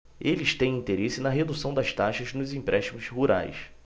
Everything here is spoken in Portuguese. eles têm interesse na redução das taxas nos empréstimos rurais